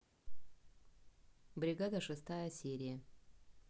бригада шестая серия